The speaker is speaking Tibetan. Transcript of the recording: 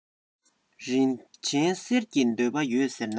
རིན ཆེན གསེར གྱི འདོད པ ཡོད ཟེར ན